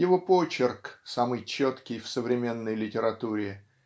его почерк - самый четкий в современной литературе